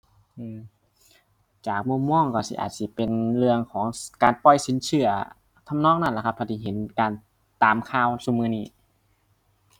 อือ จากมุมมองก็สิอาจสิเป็นเรื่องของการปล่อยสินเชื่อทำนองนั้นล่ะครับเท่าที่เห็นการตามข่าวซุมื้อนี้